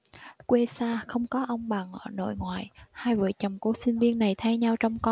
quê xa không có ông bà nội ngoại hai vợ chồng cô sinh viên này thay nhau trông con